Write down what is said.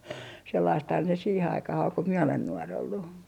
sellaistahan se siihen aikaan oli kun minä olen nuori ollut